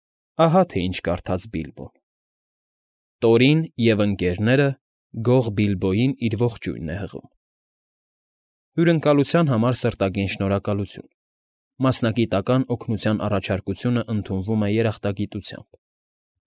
Ահա թե ինչ կարդաց Բիլբոն։ «Տորին և Ընկ.֊ը Գող Բիլբոյին իր ողջույնն է հղում… Հյուրընկալության համար սրտագին շնորհակալություն, մասնագիտական օգնության առաջարկությունն ընդունվում է երախտագիտությամբ։